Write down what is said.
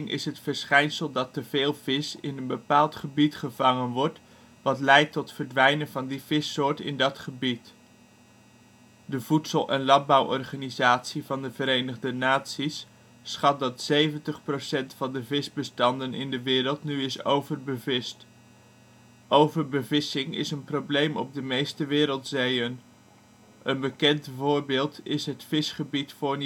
is het verschijnsel dat te veel vis in een bepaald gebied gevangen wordt, wat leidt tot het verdwijnen van die vissoort in dat gebied. De Voedsel - en Landbouworganisatie van de Verenigde Naties schat dat 70 % van de visbestanden in de wereld nu is overbevist. Overbevissing is een probleem op de meeste wereldzeeën. Een bekend voorbeeld is het visgebied voor